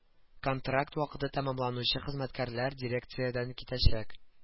Контракт вакыты тәмамланучы хезмәткәрләр дирекциядән китәчәк